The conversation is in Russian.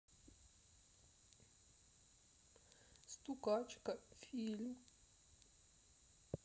стукачка фильм